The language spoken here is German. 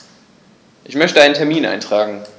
Ich möchte einen Termin eintragen.